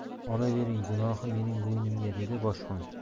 olavering gunohi mening bo'ynimga dedi boshqon